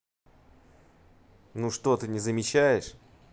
ну что то не замечаешь